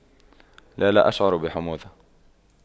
لا لا أشعر بحموضة